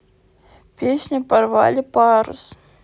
песни порвали парус